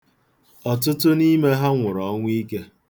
Ọtụtụ n'ime ha nwụrụ ọnwụ ike.